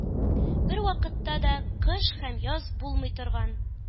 Бервакытта да кыш һәм яз булмый торган